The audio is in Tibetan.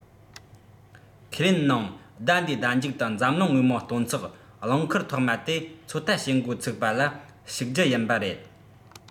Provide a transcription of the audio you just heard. ཁས ལེན ནང ཟླ འདིའི ཟླ མཇུག ཏུ འཛམ གླིང དངོས མང སྟོན ཚོགས གླིང ཁུལ ཐོག མ དེ ཚོད ལྟ བྱེད འགོ ཚུགས པ ལ ཞུགས རྒྱུ ཡིན པ རེད